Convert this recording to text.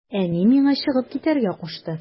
Әни миңа чыгып китәргә кушты.